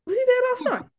Was he there last night?